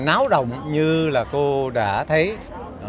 náo động như là cô đã thấy